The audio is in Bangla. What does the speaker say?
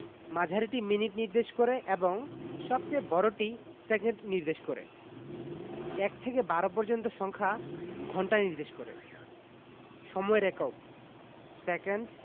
মাঝারিটি মিনিট নির্দেশ করে এবং সবচেয়ে বড়টি সেকেন্ড নির্দেশ করে ১ থেকে ১২ পর্যন্ত সংখ্যা ঘন্টা নির্দেশ করে সময়ের এককঃ সেকেন্ড